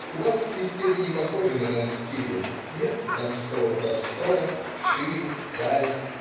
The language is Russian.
Кубанские степи не похожи на донские, нет донского простора, шири, дали.